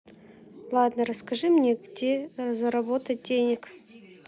ладно расскажи мне где заработать денег